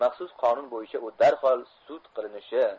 maxsus qonun bo'yicha u darhol sud qilinishi